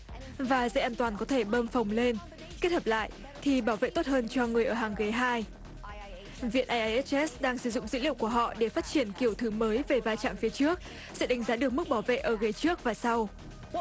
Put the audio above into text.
và dây an toàn có thể bơm phồng lên kết hợp lại thì bảo vệ tốt hơn cho người ở hàng ghế hai viện ai ây ết chét đang sử dụng dữ liệu của họ để phát triển kiểu thử mới về va chạm phía trước sẽ đánh giá được mức bảo vệ ở ghế trước và sau